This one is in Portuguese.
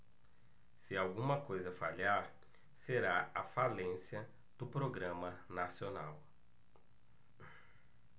se alguma coisa falhar será a falência do programa nacional